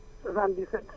77